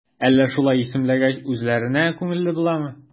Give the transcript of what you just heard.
Әллә шулай исемләгәч, үзләренә күңелле буламы?